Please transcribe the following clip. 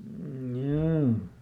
joo